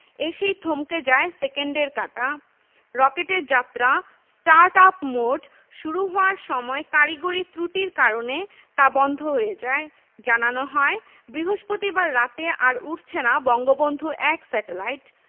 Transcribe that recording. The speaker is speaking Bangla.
এসেই থমকে যায় সেকেন্ডের কাঁটা রকেটের যাত্রা স্টার্টআপ মোড শুরু হওয়ার সময় কারিগরি ত্রুটির কারণে তা বন্ধ হয়ে যায় জানানো হয় বৃহস্পতিবার রাতে আর উড়ছে না বঙ্গবন্ধু ১ স্যাটেলাইট